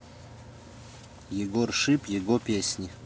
егор шип его песни